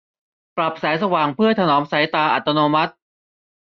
ปรับแสงสว่างเพื่อถนอมสายตาอัตโนมัติ